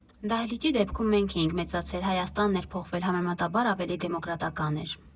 Դահլիճի դեպքում մենք էինք մեծացել, Հայաստանն էր փոխվել, համեմատաբար ավելի դեմոկրատական էր։